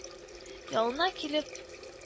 Янына килеп